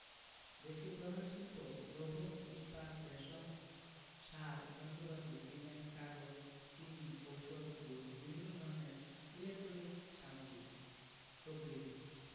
দেশটির প্রধান শিল্প লৌহ ইস্পাত রেশম সার যন্ত্রপাতি সিমেন্ট কাগজ চিনি ঔষধ ও বিভিন্ন ধরনের ইলেকট্রনিক্স সামগ্রী প্রভ্রিতি